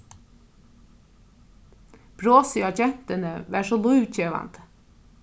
brosið á gentuni var so lívgevandi